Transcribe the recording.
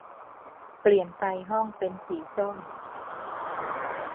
เปลี่ยนไฟห้องเป็นสีส้ม